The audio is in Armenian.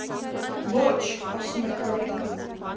Ոչ, ասում է Կարենը։